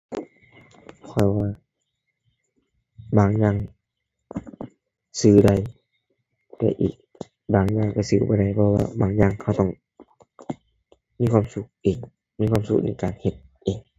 ข้อยว่าบางอย่างซื้อได้ด้วยเอง บางอย่างก็ซื้อบ่ได้ เพราะว่าบางอย่างก็ต้องมีความสุขเอง มีความสุขในการเฮ็ดเอง